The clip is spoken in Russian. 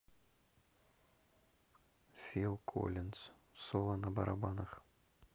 фил коллинз соло на барабанах